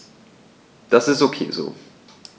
Das ist ok so.